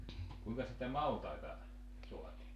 kuinka sitten maltaita saatiinkaan